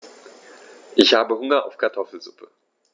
Ich habe Hunger auf Kartoffelsuppe.